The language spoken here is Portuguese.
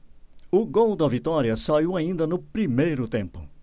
o gol da vitória saiu ainda no primeiro tempo